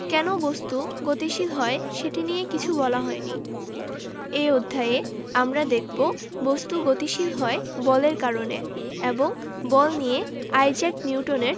কেন বস্তু গতিশীল হয় সেটি নিয়ে কিছু বলা হয়নি এই অধ্যায়ে আমরা দেখব বস্তু গতিশীল হয় বলের কারণে এবং বল নিয়ে আইজাক নিউটনের